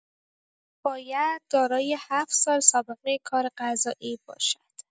باید دارای ۷ سال سابقه کار قضائی باشند.